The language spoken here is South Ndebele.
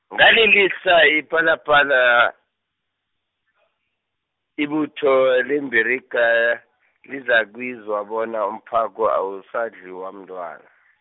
ngalilisa ipalapala , ibutho leembiliga, lizakwizwa bona umphako awusadliwa mntwana.